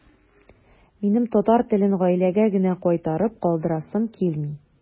Минем татар телен гаиләгә генә кайтарып калдырасым килми.